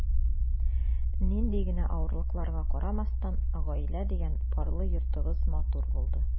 Нинди генә авырлыкларга карамастан, “гаилә” дигән парлы йортыгыз матур булды.